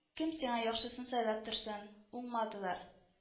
– кем сиңа яхшысын сайлап торсын – уңмадылар